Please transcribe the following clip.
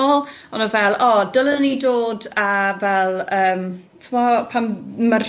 ôl, on' o' fel o dylwn i ddod a fel yym ti'bod pan mae